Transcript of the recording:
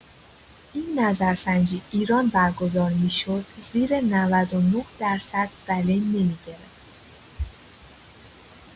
این نظرسنجی ایران برگزار می‌شد زیر ۹۹ درصد بله نمی‌گرفت!